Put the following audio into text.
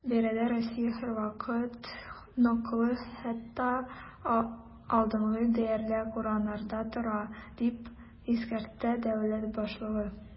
Биредә Россия һәрвакыт ныклы, хәтта алдынгы диярлек урыннарда тора, - дип искәртте дәүләт башлыгы.